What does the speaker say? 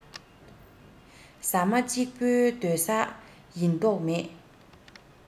ཟ མ གཅིག པོའི སྡོད ས ཡིན མདོག མེད